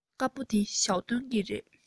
དཀར པོ འདི ཞའོ ཏོན གྱི རེད